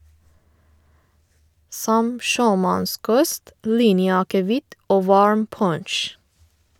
Som sjømannskost, linjeakevitt og varm punsj.